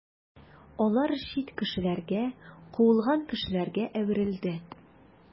Алар чит кешеләргә, куылган кешеләргә әверелде.